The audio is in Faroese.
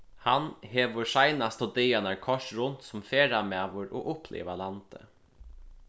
hann hevur seinastu dagarnar koyrt runt sum ferðamaður og upplivað landið